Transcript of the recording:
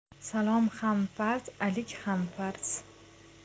salom ham farz alik ham farz